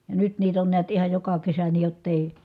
ja nyt niitä on näet ihan joka kesä niin jotta ei